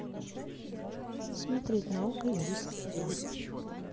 смотреть на окко индийский фильм